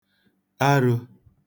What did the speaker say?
arō